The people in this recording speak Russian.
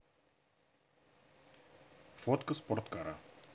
фотка спорткара